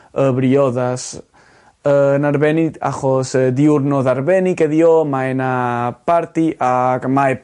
y brioddas yy yn arbennig achos y diwrnod arbennig yddi o mae 'na barti ag y mae